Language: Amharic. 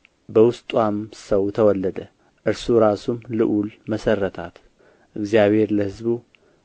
በውስጥዋም ሰው ተወለደ እርሱ ራሱም ልዑል መሠረታት እግዚአብሔር ለሕዝቡ